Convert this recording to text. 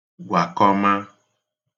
gwakọma